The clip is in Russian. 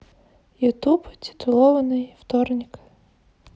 ютуб титулованный вторник